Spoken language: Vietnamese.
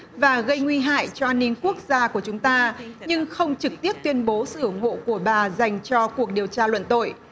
và gây nguy hại cho an ninh quốc gia của chúng ta nhưng không trực tiếp tuyên bố sự ủng hộ của bà dành cho cuộc điều tra luận tội